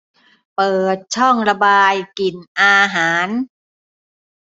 เปิดช่องระบายกลิ่นอาหาร